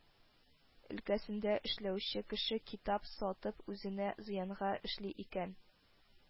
Өлкәсендә эшләүче кеше китап сатып үзенә зыянга эшли икән,